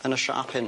yn y siâp hyn.